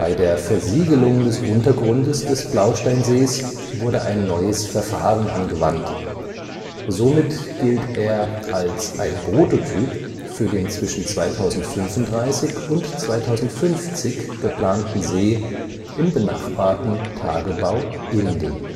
der Versiegelung des Untergrundes des Blausteinsees wurde ein neues Verfahren angewandt. Somit gilt er als ein Prototyp für den zwischen 2035 und 2050 geplanten See im benachbarten Tagebau Inden